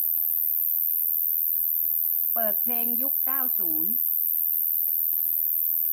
เปิดเพลงยุคเก้าศูนย์